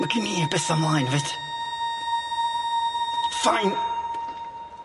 Ma' gin i betha mlaen efyd. Ffein!